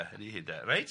yn ei hun de, reit?